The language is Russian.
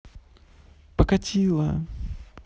покатило